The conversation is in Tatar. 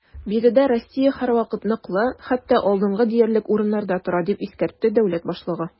Биредә Россия һәрвакыт ныклы, хәтта алдынгы диярлек урыннарда тора, - дип искәртте дәүләт башлыгы.